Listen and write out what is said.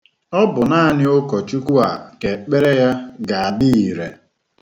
Ọ bụ naanị ukochukwu a kà ekpere ya ga-adị ire.